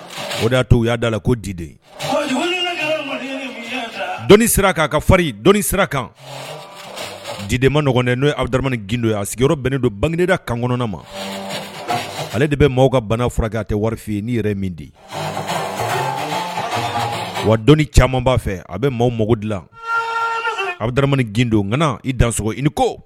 O'a to la ko di dɔnni sira kana ka fa dɔnni sira kan diden ma nɔgɔɔgɔn n'o adama gdo a sigiyɔrɔ bɛnnen don bangegda kan kɔnɔna ma ale de bɛ maaw ka bana furakɛtɛ warifin ye n' yɛrɛ min de ye wa dɔnnii caman b'a fɛ a bɛ maaw mako dilan a bɛ adama gdo i dan sogo i ko